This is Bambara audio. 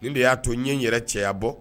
Nin de y'a to ɲɛ yɛrɛ cɛbɔ